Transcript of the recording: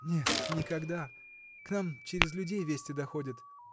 -- Нет, никогда; к нам через людей вести доходят.